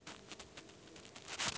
не садись